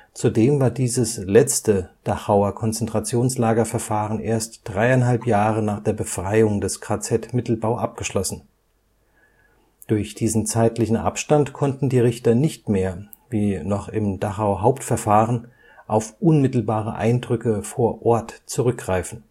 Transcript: Zudem war dieses letzte Dachauer Konzentrationslagerverfahren erst dreieinhalb Jahre nach der Befreiung des KZ Mittelbau abgeschlossen. Durch diesen zeitlichen Abstand konnten die Richter nicht mehr, wie noch im Dachau-Hauptverfahren, auf unmittelbare Eindrücke vor Ort zurückgreifen